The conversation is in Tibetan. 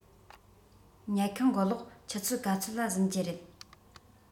ཉལ ཁང གི གློག ཆུ ཚོད ག ཚོད ལ གཟིམ གྱི རེད